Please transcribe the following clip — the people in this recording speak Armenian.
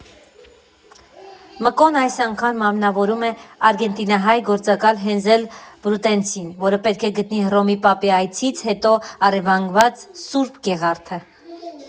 Մկոն այս անգամ մարմնավորում է արգենտինահայ գործակալ Հենզել Բրուտենցին, որը պետք է գտնի Հռոմի Պապի այցից հետո առևանգված Սուրբ Գեղարդը։